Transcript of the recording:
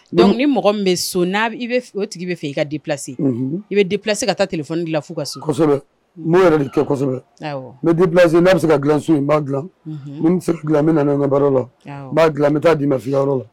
Dɔnkuc ni mɔgɔ min bɛ so n'a o tigi bɛ fɛ i ka dilase i bɛ dilase ka taa la fo ka n'o yɛrɛ de kɛsɔ kosɛbɛ n dila n'a bɛ se ka dilasiw b' dila n bɛ bɛ nana baro la n b'a n bɛ taa dii ma fiyɔrɔ la